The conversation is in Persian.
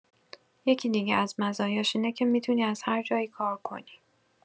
یکی دیگه از مزایاش اینه که می‌تونی از هر جایی کار کنی.